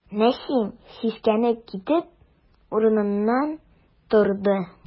Нәсим, сискәнеп китеп, урыныннан торды.